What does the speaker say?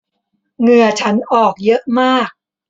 เหงื่อฉันออกเยอะมาก